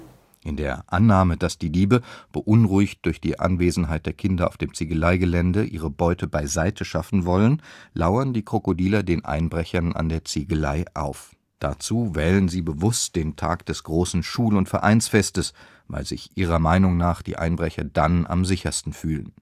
In der Annahme, dass die Diebe, beunruhigt durch die Anwesenheit der Kinder auf dem Ziegeleigelände, ihre Beute beiseite schaffen wollen, lauern die Krokodiler den Einbrechern an der Ziegelei auf. Dazu wählen sie bewußt den Tag des großen Schul - und Vereinsfestes, weil sich ihrer Meinung nach die Einbrecher dann am sichersten fühlen